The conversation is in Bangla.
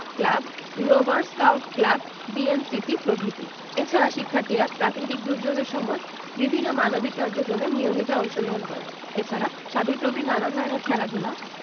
club rover scout club BNCC প্রভৃতি এছাড়া শিক্ষার্থীরা প্রাকৃতিক দূর্যোগের সময় বিভিন্ন মানবিক কার্যক্রমে নিয়মিত অংশগ্রহণ করে এছাড়া সাবিপ্রবি নানা ধরনের খেলাধুলা